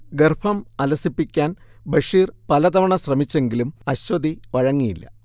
ഗർഭം അലസിപ്പിക്കാൻ ബഷീർ പലതവണ ശ്രമിച്ചെങ്കിലും അശ്വതി വഴങ്ങിയില്ല